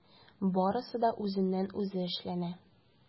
Барысы да үзеннән-үзе эшләнә.